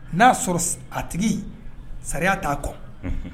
N'a'a sɔrɔ a tigi sariya t'a kɔ